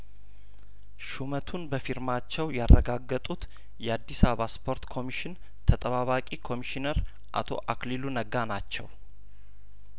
ሹመቱን በፊርማቸው ያረጋገጡት የአዲስአባ ስፖርት ኮሚሽን ተጠባባቂ ኮሚሽነር አቶ አክሊሉ ነጋ ናቸው